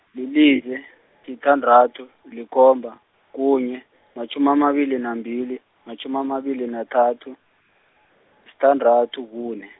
lilize, sithandathu, likhomba, kunye, matjhumi amabili nambili, matjhumi amabili nathathu, sithandathu, kune.